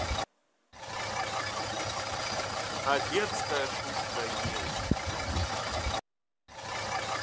а детская шутка есть